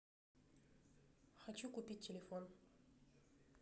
хочу купить телефон